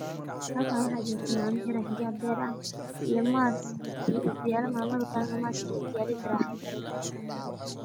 Halkaan waxaa joogta maamo xiran xijaab beer ah iyo maas iyo ookiyaalo maamada kale maas iyo ookiyaalo iyo taraaxda xiran tahay.